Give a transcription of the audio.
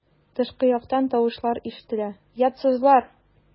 Тышкы яктан тавышлар ишетелә: "Оятсызлар!"